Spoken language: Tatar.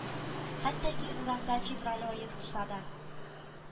Хәтта ки урамда февраль ае булса да